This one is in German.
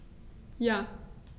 Ja.